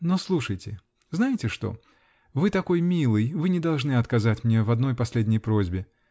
Но слушайте -- знаете что: вы такой милый, вы не должны отказать мне в одной последней просьбе.